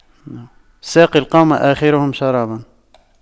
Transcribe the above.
ساقي القوم آخرهم شراباً